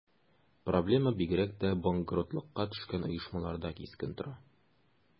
Проблема бигрәк тә банкротлыкка төшкән оешмаларда кискен тора.